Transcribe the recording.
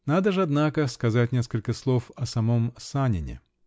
Надо ж, однако, сказать несколько слов и о самом Санине.